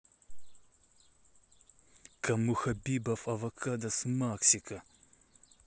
кому хабибов авокадос максика